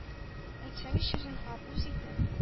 Әйтсәгезче, зинһар, үз итеп,